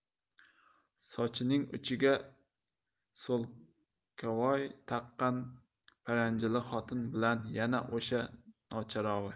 sochining uchiga so'lkavoy taqqan paranjili xotin bilan yana o'sha novcharog'i